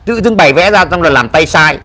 tự dưng bày vẽ ra xong là làm tay sai